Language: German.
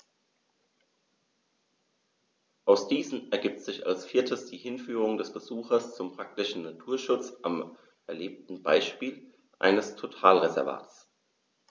Aus diesen ergibt sich als viertes die Hinführung des Besuchers zum praktischen Naturschutz am erlebten Beispiel eines Totalreservats.